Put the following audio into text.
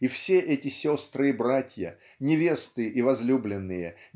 и все эти сестры и братья невесты и возлюбленные